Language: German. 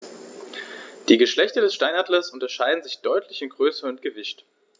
Die Geschlechter des Steinadlers unterscheiden sich deutlich in Größe und Gewicht.